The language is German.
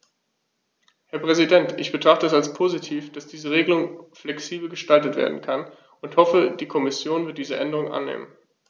Herr Präsident, ich betrachte es als positiv, dass diese Regelung flexibel gestaltet werden kann und hoffe, die Kommission wird diese Änderung annehmen.